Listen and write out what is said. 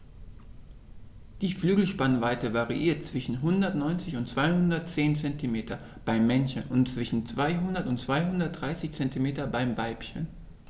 Die Flügelspannweite variiert zwischen 190 und 210 cm beim Männchen und zwischen 200 und 230 cm beim Weibchen.